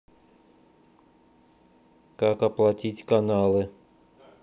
как оплатить каналы